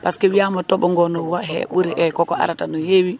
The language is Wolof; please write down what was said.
parce que